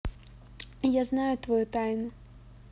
я знаю твою тайну